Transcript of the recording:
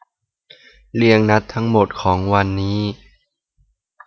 เรียงนัดทั้งหมดของวันนี้